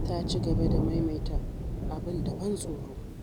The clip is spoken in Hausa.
Ta ci gaba da maimaita ‘Abin da ban tsoro’.